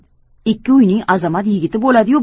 ikki uyning azamat yigiti bo'ladi yu